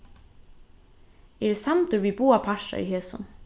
eg eri samdur við báðar partar í hesum